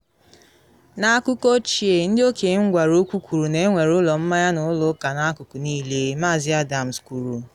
“N’akụkọ ochie, ndị okenye m gwara okwu kwuru na enwere ụlọ mmanya na ụlọ ụka n’akụkụ niile,” Maazị Adams kwuru.